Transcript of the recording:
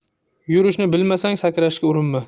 yurishni bilmasang sakrashga urinma